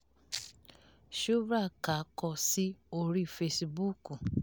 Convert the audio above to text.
Shuvra Kar kọ sí oríi Facebook: